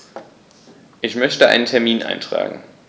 Ich möchte einen Termin eintragen.